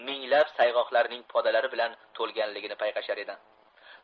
minglab sayg'oqlarning podalari bilan tolganligini payqashar edi